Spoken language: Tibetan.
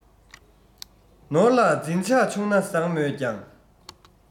ནོར ལ འཛིན ཆགས ཆུང ན བཟང མོད ཀྱང